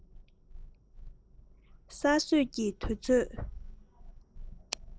ས སྲོད ཀྱི དུས ཚོད